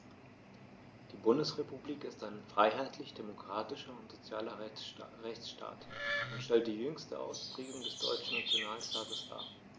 Die Bundesrepublik ist ein freiheitlich-demokratischer und sozialer Rechtsstaat[9] und stellt die jüngste Ausprägung des deutschen Nationalstaates dar.